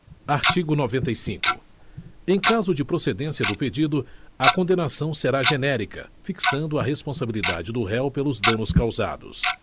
artigo noventa e cinco em caso de procedência do pedido a condenação será genérica fixando a responsabilidade do réu pelos danos causados